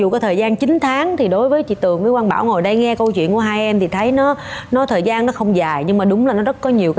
dù cái thời gian chín tháng thì đối với chị trường với quang bảo ngồi đây nghe câu chuyện của hai em thì thấy nó nó thời gian nó không dài nhưng mà đúng là nó rất có nhiều